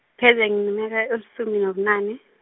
pheze ngineminyaka, elisumi nobunane.